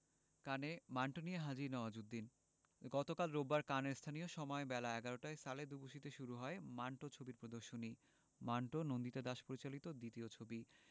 কানে মান্টো নিয়ে হাজির নওয়াজুদ্দিন গতকাল রোববার কানের স্থানীয় সময় বেলা ১১টায় সালে দুবুসিতে শুরু হয় মান্টো ছবির প্রদর্শনী মান্টো নন্দিতা দাস পরিচালিত দ্বিতীয় ছবি